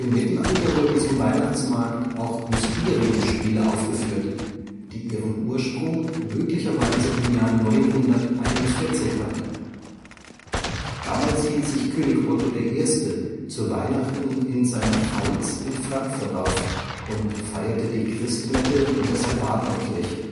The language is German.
Mittelalter wurden zum Weihnachtsmarkt auch Mysterienspiele aufgeführt, die ihren Ursprung möglicherweise im Jahr 941 hatten. Damals hielt sich König Otto I. zu Weihnachten in seiner Pfalz in Frankfurt auf und feierte die Christmette in der Salvatorkirche